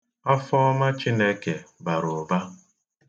Afọọma Chineke bara ụba.